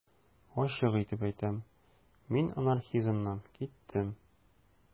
Ачык итеп әйтәм: мин анархизмнан киттем.